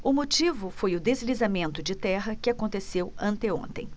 o motivo foi o deslizamento de terra que aconteceu anteontem